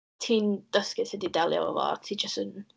Ti'n dysgu sut i delio efo fo a ti jyst yn...